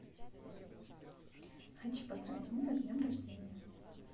хочу поздравить мужа с днем рождения